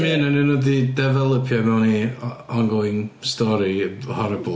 Dim un ohonyn nhw 'di defelypio mewn i ongoing story horrible.